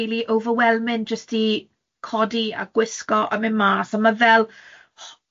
rili overwhelming jyst i codi a gwisgo a mynd mas, a ma' fel